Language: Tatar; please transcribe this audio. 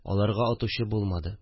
Аларга атучы булмады